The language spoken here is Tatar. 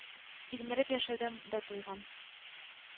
Тилмереп яшәүдән дә туйган